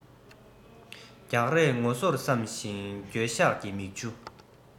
རྒྱག རེས ངོ གསོར བསམ ཞིང འགྱོད ཤགས ཀྱི མིག ཆུ